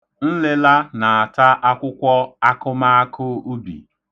Nlịla na-ata akwụkwọ akụmaakụ ubi.̣